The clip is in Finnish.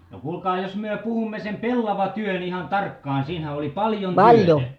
no kuulkaa jos me puhumme sen pellavatyön ihan tarkkaan siinähän oli paljon työtä